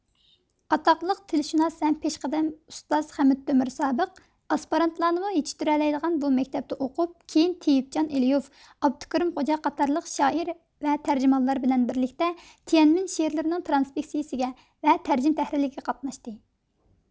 ئاتاقلىق تىلشۇناس ھەم پېشقەدەم ئۇستاز خەمىت تۆمۈر سابىق ئاسپىرانتلارنىمۇ يېتىشتۈرەلەيدىغان بۇ مەكتەپتە ئوقۇپ كىيىن تېيىپچان ئېلىيۇف ئابدۇكېرىم خوجا قاتارلىق شائىر ۋە تەرجىمانلار بىلەن بىرلىكتە تيەنئەنمىن شېئىرلىرى نىڭ ترانسكرېپسىيەسىگە ۋە تەرجىمە تەھرىرلىكىگە قاتناشتى